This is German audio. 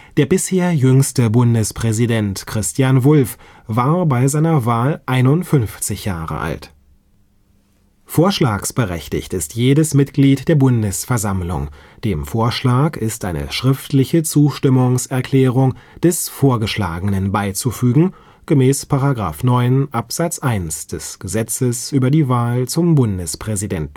Der bisher jüngste Bundespräsident, Christian Wulff, war bei seiner Wahl 51 Jahre alt. Vorschlagsberechtigt ist jedes Mitglied der Bundesversammlung, dem Vorschlag ist eine schriftliche Zustimmungserklärung des Vorgeschlagenen beizufügen (§ 9 Abs. 1 BPräsWahlG